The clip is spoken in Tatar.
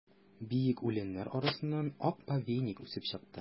Биек үләннәр арасыннан ак повейник үсеп чыкты.